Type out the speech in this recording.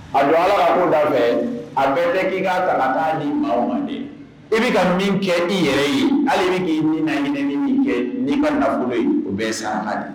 A don Ala ka ko da fɛ, a bɛɛ tɛ k'i ka ta ka taa di maaw ma dɛ,i bɛ ka min kɛ, i yɛrɛ ye, hal'i bɛ k'i ni lahinɛ ni min kɛ n'i ka nafolo ye o bɛ saraka de.